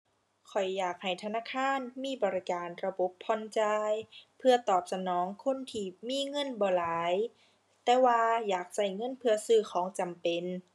ข้อยอยากให้ธนาคารมีบริการระบบผ่อนจ่าย เพื่อตอบสนองคนที่มีเงินบ่หลาย แต่ว่าอยากใช้เงินเพื่อซื้อของจำเป็น